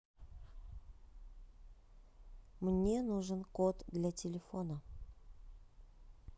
мне нужен код для телефона